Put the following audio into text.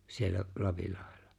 siellä Lapinlahdella